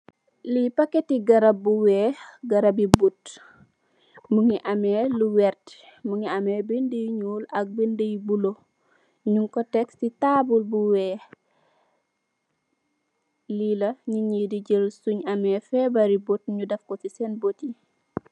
Lee packete garab bu weex garabe bote muge ameh lu werte muge ameh bede yu nuul ak bede yu bulo nugku tek se taabul bu weex lela neetnye de jel sun ameh febare bote nu defku sesen bote ye.